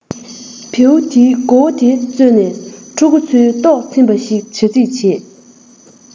བེའུ དེའི མགོ བོ དེ བཙོས ནས ཕྲུ གུ ཚོའི ལྟོགས ཚིམས པ ཞིག བྱ རྩིས བྱས